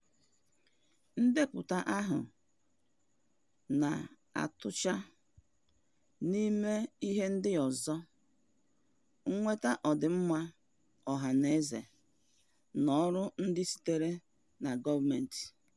Ndepụta ahụ na-atụcha, n'ime ihe ndị ọzọ, mweta ọdịmma ọhanaeze na ọrụ ndị sitere na gọọmentị.